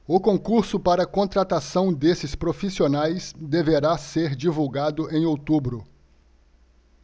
o concurso para contratação desses profissionais deverá ser divulgado em outubro